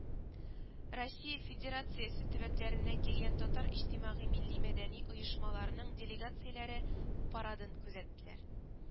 Россия Федерациясе төбәкләреннән килгән татар иҗтимагый милли-мәдәни оешмаларының делегацияләре парадын күзәттеләр